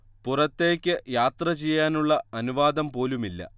പുറത്തേക്ക് യാത്ര ചെയ്യാനുള്ള അനുവാദം പോലുമില്ല